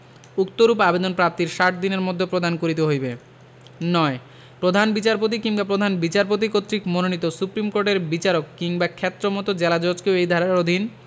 উক্তরূপ আবেদন প্রাপ্তির ষাট দিনের মধ্য প্রদান করিতে হইবে ৯ প্রধান বিচারপতি কিংবা প্রধান বিচারপাতি কর্তৃক মনোনীত সুপ্রীম কোর্টের বিচারক কিংবা ক্ষেত্রমত জেলাজজকে এই ধারার অধীন